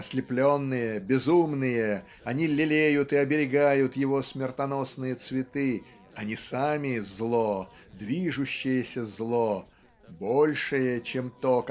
Ослепленные, безумные, они лелеют и оберегают его смертоносные цветы они сами зло движущееся зло большее чем то